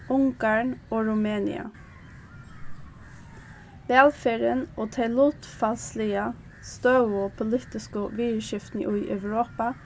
ungarn og rumenia vælferðin og tey lutfalsliga støðugu politisku viðurskiftini í europa